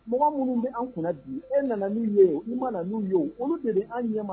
Mɔgɔ minnu bɛ an kunna bi e nana ye ma ye olu de bɛ an ɲɛ